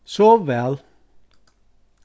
sov væl